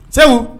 Cɛw o